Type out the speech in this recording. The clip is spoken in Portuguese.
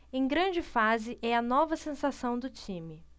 em grande fase é a nova sensação do time